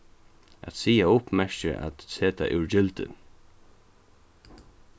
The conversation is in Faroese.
at siga upp merkir at seta úr gildi